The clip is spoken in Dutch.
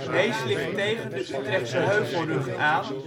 Hees ligt tegen de Utrechtse Heuvelrug aan